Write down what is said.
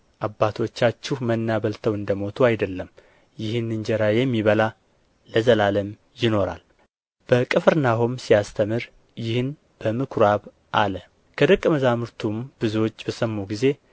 አባቶቻችሁ መና በልተው እንደ ሞቱ አይደለም ይህን እንጀራ የሚበላ ለዘላለም ይኖራል በቅፍርናሆም ሲያስተምር ይህን በምኵራብ አለ ከደቀ መዛሙርቱም ብዙዎች በሰሙ ጊዜ